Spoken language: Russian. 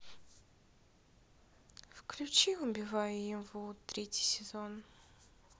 включи убивая еву третий сезон